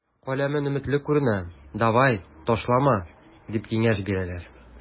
Каләмең өметле күренә, давай, ташлама, дип киңәш бирәләр.